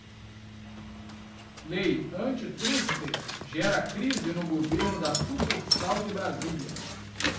lei antitruste gera crise no governo da sucursal de brasília